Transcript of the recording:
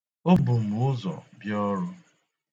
O bu m ụzọ bịa ọrụ.